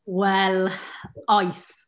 Wel, oes.